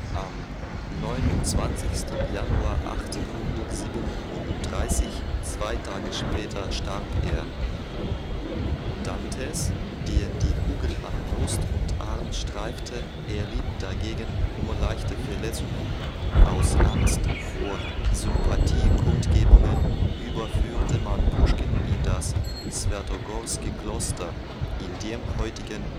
Am 29. Januar 1837, zwei Tage später, starb er. D'Anthès, den die Kugel an Brust und Arm streifte, erlitt dagegen nur leichte Verletzungen. Aus Angst vor Sympathiekundgebungen überführte man Puschkin in das Swjatogorski-Kloster in dem heutigen